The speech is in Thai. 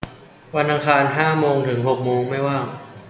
วันอังคารห้าโมงถึงหกโมงไม่ว่าง